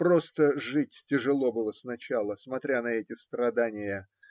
Просто жить тяжело было сначала, смотря на эти страдания.